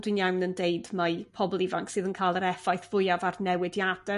dwi'n iawn yn deud mai pobol ifanc sydd yn cael yr effaith fwyaf ar newidiade